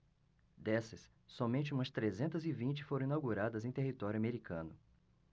dessas somente umas trezentas e vinte foram inauguradas em território americano